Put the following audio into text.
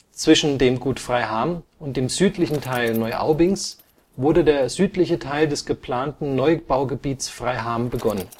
Zwischen dem Gut Freiham und dem südlichen Teil Neuaubings wurde der südliche Teil des geplanten Neubaugebiets Freiham begonnen